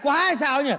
quá hay sao ý nhể